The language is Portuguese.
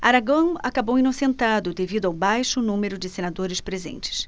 aragão acabou inocentado devido ao baixo número de senadores presentes